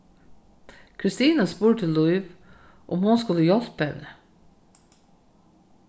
kristina spurdi lív um hon skuldi hjálpa henni